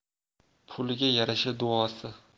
puliga yarasha duosi